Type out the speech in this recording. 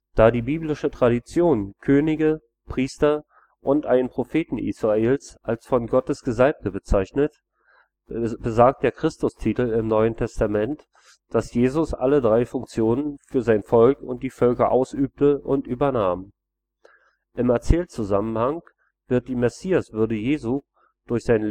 Da die biblische Tradition Könige, Priester und einen Propheten Israels als von Gott Gesalbte bezeichnet, besagt der Christustitel im NT, dass Jesus alle drei Funktionen für sein Volk und die Völker ausübte und übernahm. Im Erzählzusammenhang wird die Messiaswürde Jesu durch sein